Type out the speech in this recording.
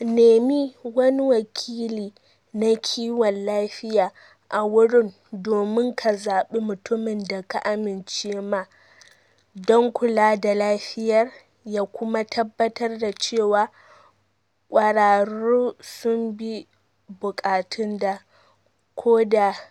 Nemi wani wakili na kiwon lafiya a wurin domin ka zaɓi mutumin da ka amincema don kula da lafiyar ya kuma tabbatar da cewa kwararru sunbi bukatun ka koda ka